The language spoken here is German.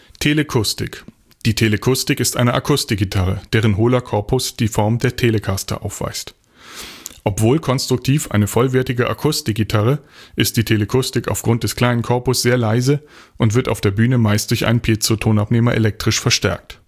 Telecoustic – Die „ Telecoustic “ist eine Akustikgitarre, deren hohler Korpus die Form der Telecaster aufweist. Obwohl konstruktiv eine vollwertige Akustikgitarre, ist die „ Telecoustic “aufgrund des kleinen Korpus sehr leise und wird auf der Bühne meist durch einen Piezo-Tonabnehmer elektrisch verstärkt